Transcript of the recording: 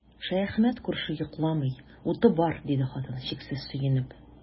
Шәяхмәт күрше йокламый, уты бар, диде хатын, чиксез сөенеп.